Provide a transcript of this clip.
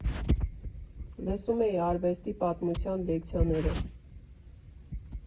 Լսում էի արվեստի պատմության լեկցիաները։